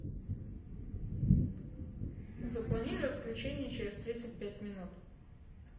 запланируй отключение через тридцать пять минут